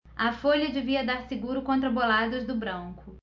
a folha devia dar seguro contra boladas do branco